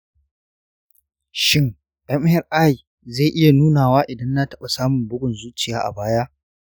shin mri zai iya nunawa idan na taɓa samun bugun zuciya a baya?